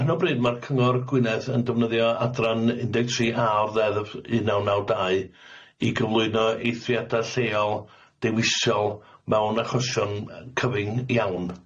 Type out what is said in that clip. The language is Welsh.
Ar hyn o bryd ma'r cyngor Gwynedd yn defnyddio adran un deg tri a o'r ddeddf un naw naw dau i gyflwyno eithriadau lleol dewisol mewn achosion cyfyng iawn.